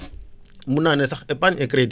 mun naa ne sax épargne et crédit